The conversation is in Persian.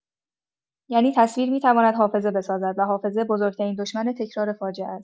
یعنی تصویر می‌تواند حافظه بسازد و حافظه، بزرگ‌ترین دشمن تکرار فاجعه است.